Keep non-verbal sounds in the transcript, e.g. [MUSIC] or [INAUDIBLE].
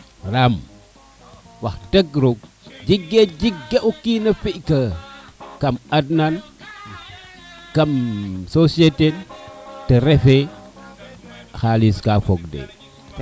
[MUSIC] ram wax deg roog jega ji ga o kiin a pi ka kam ad na ne kam societé te refe xalis ka fog de